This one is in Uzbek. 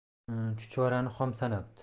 chuchvarani xom sanabdi